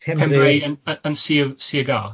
Pembrey yn yn Sir Sir Gâr?